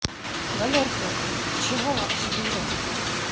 валерка ты чего лапси дура